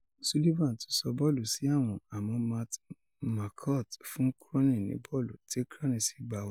Sulivan tún sọ bọ́ọ̀lù sí àwọ̀n, àmọ́ Matt Marquardt fún Crownie ni bọ́ọ̀lù, tí Crownie sì gba wọlé.